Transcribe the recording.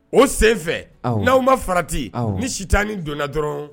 O senfɛ awɔ n'aw ma farati awɔ ni sitani donna dɔrɔɔn